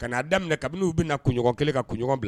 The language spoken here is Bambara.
Ka n'a daminɛ kabini' uu bɛna na kunɲɔgɔn kelen ka kunɲɔgɔn bila